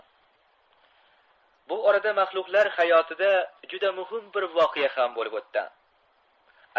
bu orada maxluqlar hayotida juda muhim bir voqea ham bo'lib o'tgan